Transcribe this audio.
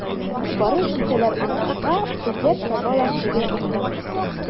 Барып җитәләр урманга, эзләп табалар теге ызбаны.